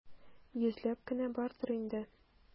Йөзләп кенә бардыр инде.